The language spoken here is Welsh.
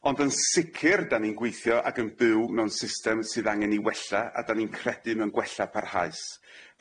Ond yn sicir 'dan ni'n gweithio ac yn byw mewn system sydd angen 'i wella a 'dan ni'n credu mewn gwella parhaus.